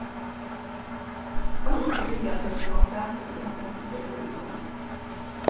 eins og vilja teir fáa fatur í onkrum sum er í nánd